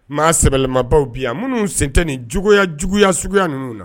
Maa sɛbɛɛlɛmabaw bi yan minnu sent ni juguyaya juguyaya suguya ninnu la